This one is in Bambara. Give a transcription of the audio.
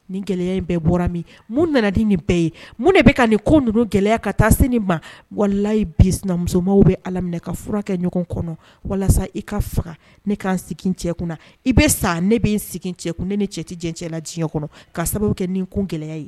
Ni gɛlɛya in bɛ bɔra min mun nana di nin bɛɛ ye mun de bɛ ka nin ko ninnu gɛlɛya ka taa se nin ma walayi bimuso bɛ ala minɛ ka fura kɛ ɲɔgɔn kɔnɔ walasa i ka faga ne kan sigi cɛkun i bɛ sa ne bɛ n sigi cɛ kun ne ni cɛ tɛɛn cɛ la diɲɛ kɔnɔ ka sababu kɛ ni n ko gɛlɛya ye